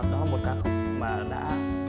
một ca khúc mà đã